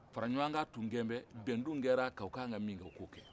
faraɲɔgɔnkan tun kɛlen bɛ bɛn tun kɛra a kan u ka kan ka min kɛ u k'o kɛ